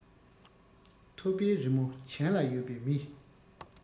ཐོད པའི རི མོ གྱེན ལ ཡོད པའི མི